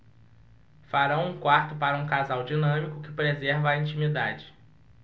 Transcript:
farão um quarto para um casal dinâmico que preserva a intimidade